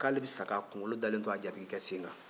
k'ale bɛ sa k'a kunkolo dalen to a jatigikɛ sen kan